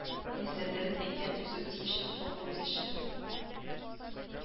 Әсәрләрен әйтәм, үзебез өчен, халкыбыз өчен